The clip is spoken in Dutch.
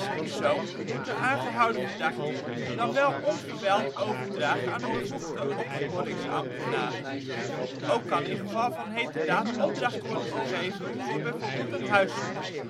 persoon moet de aangehouden verdachte dan wel onverwijld overdragen aan een bevoegde opsporingsambtenaar (de politie). Ook kan in geval van heterdaad opdracht worden gegeven voor bijvoorbeeld een huiszoeking